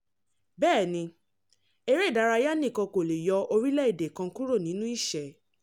Bẹ́ẹ̀ ni, eré ìdárayá nìkan kò le yọ orílẹ̀-èdè kan kúrò nínú ìṣẹ́.